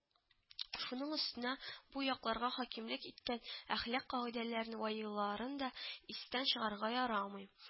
Шуның өстенә, бу якларда хакимлек иткән әхлак кагыйдәләрен вә йолаларны да истән чыгарырга ярамый